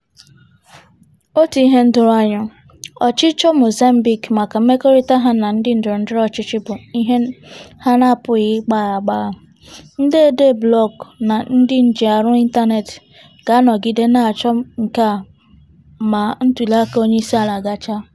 Otu ihe doro anya, ọchịchọ Mozambique maka mmekọrịta ha na ndị ndọrọndọrọ ọchịchị bụ ihe ha na-apụghị ịgbagha agbagha, ndị odee blọọgụ na ndị njiarụ ịntaneetị ga-anọgide na-achọ nke a ma ntuliaka Onyeisiala gachaa.